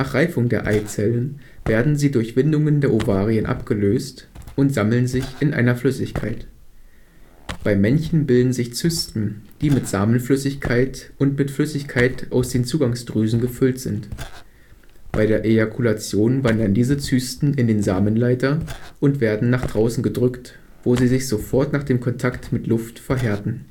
Reifung der Eizellen werden sie durch Windungen der Ovarien abgelöst und sammeln sich in einer Flüssigkeit. Beim Männchen bilden sich Zysten, die mit Samenflüssigkeit und mit Flüssigkeit aus den Zugangsdrüsen gefüllt sind. Bei der Ejakulation wandern diese Zysten in den Samenleiter und werden nach draußen gedrückt, wo sie sich sofort nach dem Kontakt mit Luft verhärten